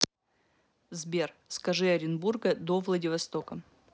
сбер скажи оренбурга до владивостока